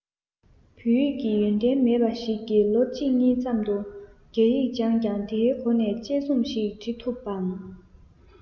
བོད ཡིག གི ཡོན ཏན མེད པ ཞིག གིས ལོ གཅིག གཉིས ཙམ དུ རྒྱ ཡིག སྦྱངས ཀྱང དེའི སྒོ ནས དཔྱད རྩོམ ཞིག འབྲི ཐུབ བམ